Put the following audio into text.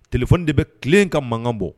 Kɛlɛ de bɛ tilen ka mankan bɔ